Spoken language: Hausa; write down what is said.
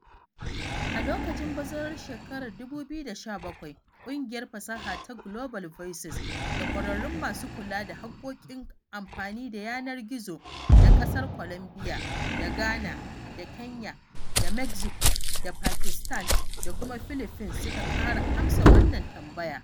A lokacin bazarar shekarar 2017, ƙungiyar fasaha ta Global Voices da ƙwararrun masu kula da haƙƙoƙin amfani da yanar gizo daga ƙasar Colambia da Ghana da Kenya da Mexico da Pakistan da kuma Philippines suka fara amsa wannan tambaya.